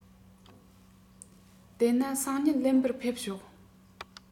དེ ན སང ཉིན ལེན པར ཕེབས ཤོག